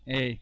eeyi